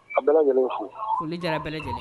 Jɛra bɛɛ lajɛlen